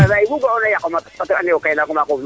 nda saay fu ga'ona yaqa mat fato ande o kay naako maakoxe fi'un